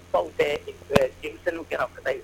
Baw bɛ denmisɛnwmisɛnsɛnninw kɛra fata ye